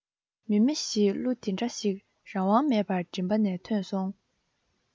མཱེ མཱེ ཞེས གླུ འདི འདྲ ཞིག རང དབང མེད པར མགྲིན པ ནས ཐོན སོང